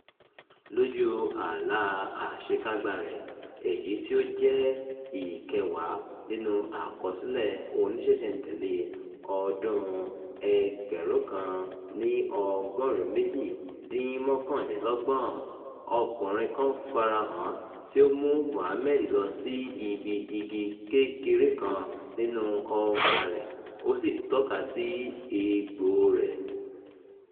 Lójú àláa àsèkágbáa rẹ̀, èyí tí ó jẹ́ ìkẹwàá nínú àkọsílẹ̀ oníṣísẹ̀ntẹ̀lé ọdún-un 1979, ọkùnrin kan fara hàn tí ó mú Mohammed lọ sí ibi igi kékeré kan nínúu ọgbàa rẹ̀, ó sì tọ́ka sí egbòo rẹ̀.